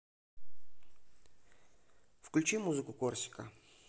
включи музыку корсика